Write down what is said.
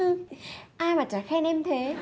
hư ai mà chả khen em thế